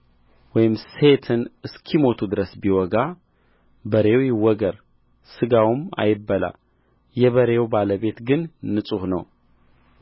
ወይም ሴትን እስኪሞቱ ድረስ ቢወጋ በሬው ይወገር ሥጋውም አይበላ የበሬው ባለቤት ግን ንጹሕ ነው